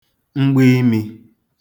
mgbiimī